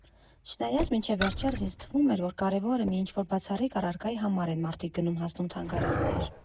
Չնայած մինչև վերջերս ինձ թվում էր, որ կարևորը մի ինչ֊որ բացառիկ առարկայի համար են մարդիկ գնում֊հասնում թանգարաններ…